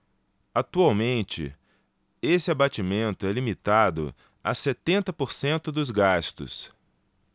atualmente esse abatimento é limitado a setenta por cento dos gastos